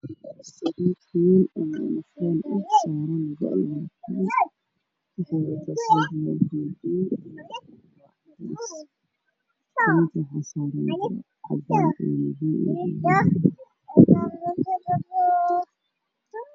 Waa sariir midabkeedu yahay qaxwi waxaa saaran go midabkiisu yahay caddays waxaa geesaha ka yaalo komediin midabkiisu yahay qaxwi